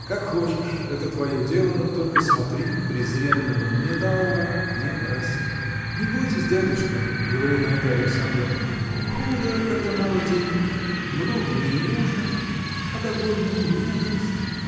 Как хочешь, это твое дело, только смотри презренного металла не проси. – Не бойтесь дядюшка – говорил на это Александр – худо когда мало денег много мне не нужно а довольно – у меня есть.